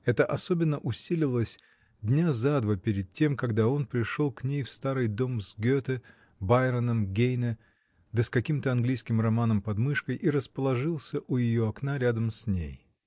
Это особенно усилилось дня за два перед тем, когда он пришел к ней в старый дом с Гете, Байроном, Гейне да с каким-то английским романом под мышкой и расположился у ее окна рядом с ней.